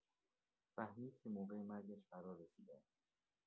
فهمید که موقع مرگش فرارسیده است.